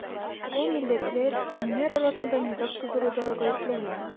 Ул милләтләр, диннәр арасында низаг тудыруда гаепләнә.